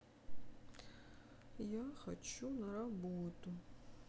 я хочу на работу